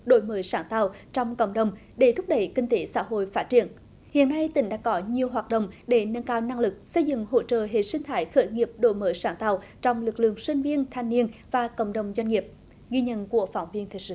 đổi mới sáng tạo trong cộng đồng để thúc đẩy kinh tế xã hội phát triển hiện nay tỉnh đã có nhiều hoạt động để nâng cao năng lực xây dựng hỗ trợ hệ sinh thái khởi nghiệp đổi mới sáng tạo trong lực lượng sinh viên thanh niên và cộng đồng doanh nghiệp ghi nhận của phóng viên thời sự